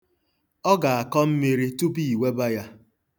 Ọ ga-akọ mmiri tupu i weba ya.